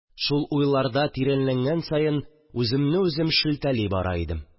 Шул уйларда тирәнләнгән саен, үземне үзем шелтәли бара идем